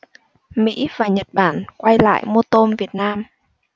mỹ và nhật bản quay lại mua tôm việt nam